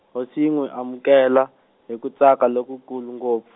hosi yi nwi amukela, hi ku tsaka lokukulu ngopf-.